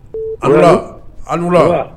Aliuna ali